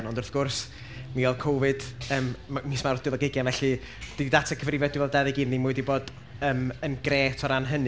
Ond wrth gwrs, mi oedd Covid yym m- mis Mawrth dwy fil ac ugain, felly dydy data cyfrifiad dwy fil a dau ddeg un ddim wedi bod yn grêt o ran hynny.